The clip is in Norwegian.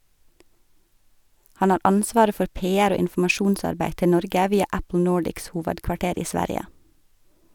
Han har ansvaret for PR- og informasjonsarbeid til Norge via Apple Nordics hovedkvarter i Sverige.